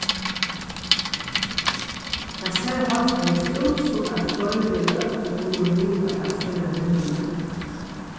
tað sær heilt víst út sum at fleiri í oynni kunnu liva av ferðavinnuni